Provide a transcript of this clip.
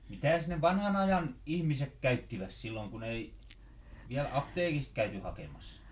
mitäs ne vanhan ajan ihmiset käyttivät silloin kun ei vielä apteekista käyty hakemassa